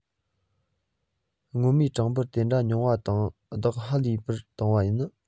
སྔོན མའི གྲངས འབོར དེ འདྲ ཉུང བ དང བདག ཧ ལས པར བཏང བ ནི